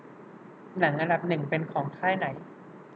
หนังอันดับหนึ่งเป็นของค่ายไหน